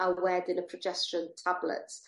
a wedyn y progesteron tablets.